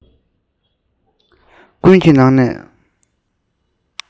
ཀུན གྱི ནང ནས